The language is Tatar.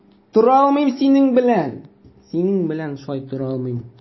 Тора алмыйм синең белән.